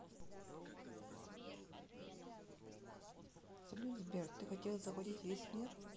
салют сбер ты хотела захватить весь мир